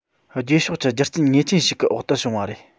རྗེས ཕྱོགས ཀྱི རྒྱུ རྐྱེན ངེས ཅན ཞིག གི འོག ཏུ བྱུང བ རེད